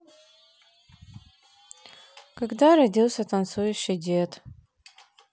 когда родился танцующий дед